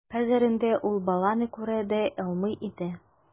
Хәзер инде ул баланы күрә дә алмый иде.